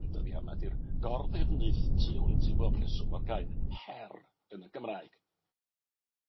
y dyddia' yma ydi'r gorddefnydd tu hwnt i bob rheswm o'r gair her yn y Gymraeg.